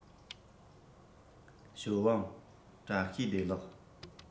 ཞའོ ཝང བཀྲ ཤིས བདེ ལེགས